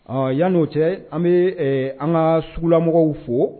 Awɔ Yan no cɛ an bi ɛɛ an ka sugulamɔgɔw fo